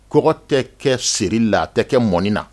Kɔgɔ tɛ kɛ seri la. A tɛ kɛ mɔni na.